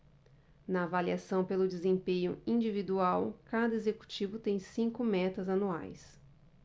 na avaliação pelo desempenho individual cada executivo tem cinco metas anuais